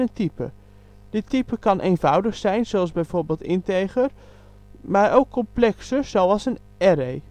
type kan eenvoudig zijn, zoals bijvoorbeeld integer, maar ook complexer, zoals een array